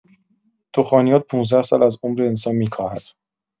دخانیات ۱۵ سال از عمر انسان می‌کاهد.